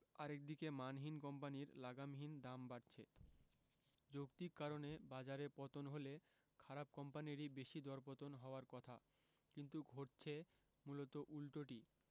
আরেক দিকে মানহীন কোম্পানির লাগামহীন দাম বাড়ছে যৌক্তিক কারণে বাজারে পতন হলে খারাপ কোম্পানিরই বেশি দরপতন হওয়ার কথা কিন্তু ঘটছে মূলত উল্টোটি